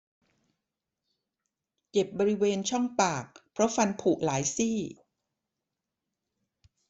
เจ็บบริเวณช่องปากเพราะฟันผุหลายซี่